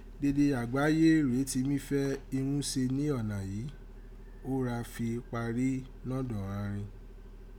Dede àgbáyé rèé ti mí fẹ́ irun se ni ọna èyí ó ra fi pari nọ̀dọ̀ ghan rin.